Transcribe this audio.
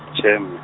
tjhe mme.